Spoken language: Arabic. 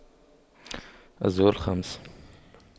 الزهور الخمس